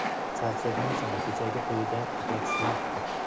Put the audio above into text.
charchagansan kechagi to'yda uxlatishmabdi